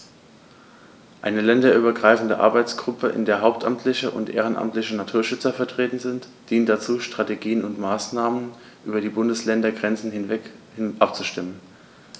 Eine länderübergreifende Arbeitsgruppe, in der hauptamtliche und ehrenamtliche Naturschützer vertreten sind, dient dazu, Strategien und Maßnahmen über die Bundesländergrenzen hinweg abzustimmen.